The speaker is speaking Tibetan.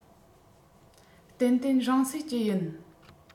ཏན ཏན རང བསད ཀྱི ཡིན